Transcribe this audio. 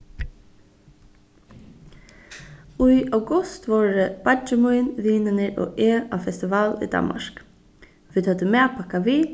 í august vóru beiggi mín vinirnir og eg á festival í danmark vit høvdu matpakka við